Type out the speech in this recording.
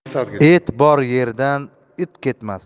et bor yerdan it ketmas